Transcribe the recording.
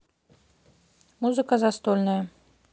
музыка застольная